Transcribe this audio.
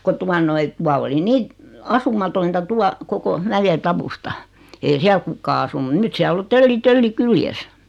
kun tuota noin tuo oli niin asumatonta tuo koko mäentausta ei siellä kukaan asunut nyt siellä on tölli töllin kyljessä